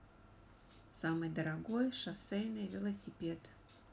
самый дорогой шоссейный велосипед